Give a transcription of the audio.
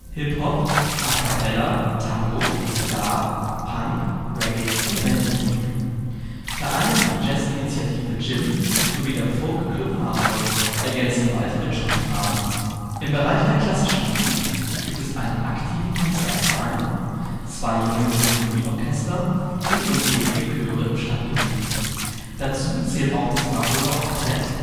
Hip Hop, A-capella, Tango, Ska, Punk, Reggae, Weltmusik. Vereine wie die Jazz-Initiative JIM sowie der Folkclub Marburg ergänzen weitere Klangfarben. Im Bereich der Klassischen Musik gibt es einen aktiven Konzertverein, zwei junge Sinfonieorchester und ungezählte Chöre im Stadtgebiet. Dazu zählt auch das " Marburger Oktett